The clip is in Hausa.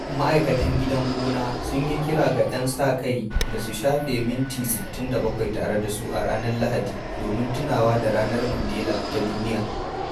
Ma'aikatan gidan gona sun yi kira ga 'yan sa-kai da su shafe minti 67 tare da su a ranar Lahadi, domin tunawa da Ranar Mandela ta Duniya.